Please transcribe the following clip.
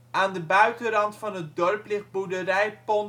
Aan de buitenrand van het dorp ligt boerderij " Ponderosa